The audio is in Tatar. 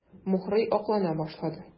Мухрый аклана башлады.